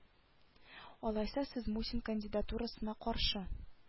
Алайса сез мусин кандидатурасына каршы